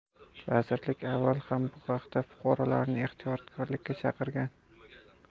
vazirlik avval ham bu haqda fuqarolarni ehtiyotkorlikka chaqirgan